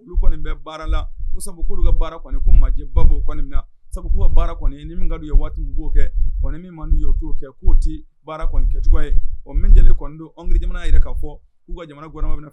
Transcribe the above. Olu kɔni bɛ baara la u sabu'olu ka baara kɔni ko majɛba'o kɔni na sabu k'u ka baara kɔni ye ni ka u ye waati min b'o kɛ kɔni min man'u y'o'o kɛ k'o tɛ baara kɔni kɛ cogoya ye ɔ min j don andija jamana yɛrɛ k ka fɔ k'u ka jamana gma